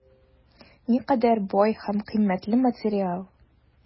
Никадәр бай һәм кыйммәтле материал!